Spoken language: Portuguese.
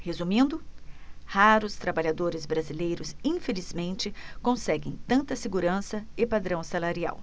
resumindo raros trabalhadores brasileiros infelizmente conseguem tanta segurança e padrão salarial